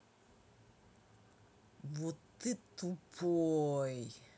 вот ты тупой